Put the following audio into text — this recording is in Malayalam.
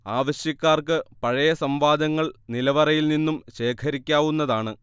ആവശ്യക്കാർക്ക് പഴയ സംവാദങ്ങൾ നിലവറയിൽ നിന്നും ശേഖരിക്കാവുന്നതാണ്